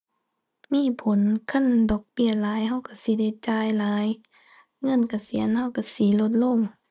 มีผล คันดอกเบี้ยหลายเราเราสิได้จ่ายหลาย เงินเกษียณเราเราสิลดลง